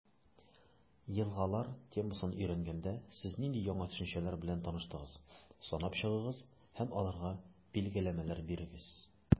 «елгалар» темасын өйрәнгәндә, сез нинди яңа төшенчәләр белән таныштыгыз, санап чыгыгыз һәм аларга билгеләмәләр бирегез.